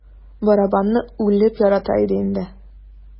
Барабанны үлеп ярата иде инде.